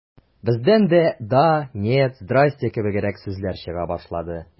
Бездән дә «да», «нет», «здрасте» кебегрәк сүзләр чыга башлады.